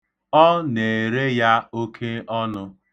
Ọ na-ere ya oke ọnụ.